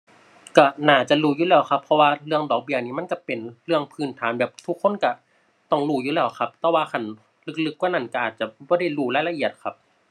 ก็น่าจะรู้แล้วครับ เพราะว่าเรื่องดอกเบี้ยนี่มันก็เป็นเรื่องพื้นฐานแบบทุกคนก็ต้องรู้อยู่แล้วครับ แต่ว่าคันลึกลึกกว่านั้นก็อาจจะบ่ได้รู้รายละเอียดครับ